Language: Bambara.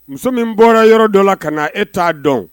Muso min bɔra yɔrɔ dɔ la ka na e t'a dɔn